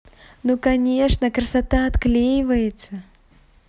ну конечно красота отклеивается